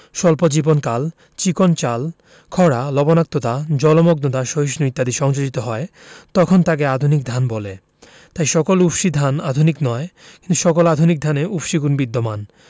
স্বল্প জীবনকাল চিকন চাল খরা লবনাক্ততা জলমগ্নতা সহিষ্ণু ইত্যাদি সংযোজিত হয় তখন তাকে আধুনিক ধান বলে তাই সকল উফশী ধান আধুনিক নয় কিন্তু সকল আধুনিক ধানে উফশী গুণ বিদ্যমান